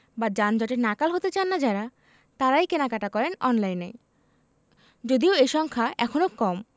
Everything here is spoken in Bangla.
বা যানজটে নাকাল হতে চান না যাঁরা তাঁরাই কেনাকাটা করেন অনলাইনে যদিও এ সংখ্যা এখনো কম